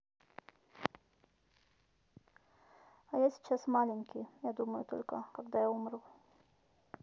а я сейчас маленький я думаю только когда я умру